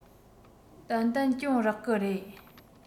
ཏན ཏན གྱོང རག གི རེད